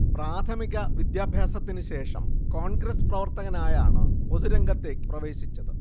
പ്രാഥമിക വിദ്യഭ്യാസത്തിന് ശേഷം കോൺഗ്രസ് പ്രവർത്തകനായാണ് പൊതുരംഗത്തേക്ക് പ്രവേശിച്ചത്